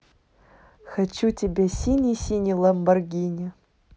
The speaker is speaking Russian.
хочу в тебя синий синий ламборгини